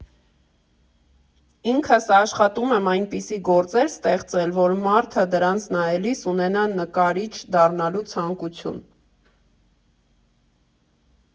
Ինքս աշխատում եմ այնպիսի գործեր ստեղծել, որ մարդը դրանց նայելիս ունենա նկարիչ դառնալու ցանկություն։